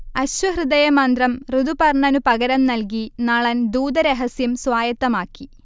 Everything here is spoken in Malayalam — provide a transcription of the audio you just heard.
അശ്വഹൃദയമന്ത്രം ഋതുപർണനു പകരം നൽകി നളൻ ദൂതരഹസ്യം സ്വായത്തമാക്കി